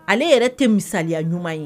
Ale yɛrɛ tɛ misaya ɲuman ye